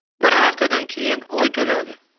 bir haftadan keyin oy to'ladi